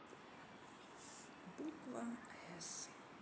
буква эс